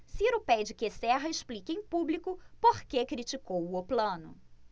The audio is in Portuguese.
ciro pede que serra explique em público por que criticou plano